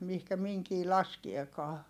mihin minkin laskeekaan